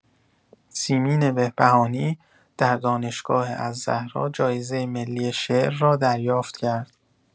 سیمین بهبهانی در دانشگاه الزهرا جایزه ملی شعر را دریافت کرد.